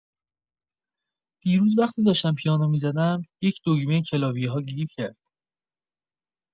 دیروز وقتی داشتم پیانو می‌زدم، یک دگمه کلاویه‌ها گیر کرد.